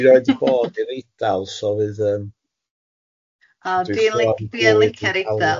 Dwi 'rioed wedi bod i'r Eidal so fydd yym... O dwi'n lic- dwi yn licio'r Eidal.